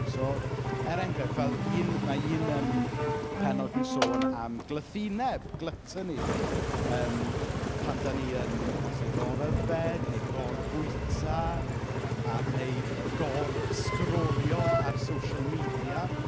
So er enghraifft, fel un... ma' un yym pennod yn sôn am glythineb, gluttony yym pan dan ni yn falle'n goryfed neu gorfwyta a... neu gor-sgrolio ar social media.